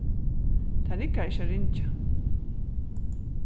tað riggar ikki at ringja